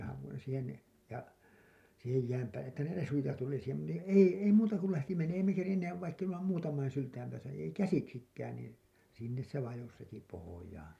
haavoin siihen niin ja siihen jään päälle että ne resuja tuli siihen - niin ei ei muuta kuin lähti - ei me kerinneet vaikka emme muutaman sylen päässä ei käsiksikään niin sinne se vajosi heti pohjaan